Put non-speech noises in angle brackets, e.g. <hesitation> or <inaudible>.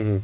<hesitation> <hesitation>